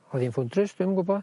O'dd i'n fwdris dim yn gwbo.